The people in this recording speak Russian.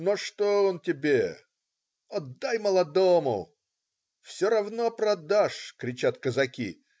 "На что он тебе?!" - "Отдай молодому!" - "Все равно продашь",- кричат казаки.